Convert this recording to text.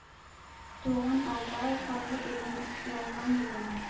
Тулган алдау, канлы үлем, ялган белән!